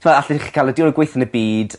T'mo' allech chi ca'l y diwrnod gwaetha 'n y byd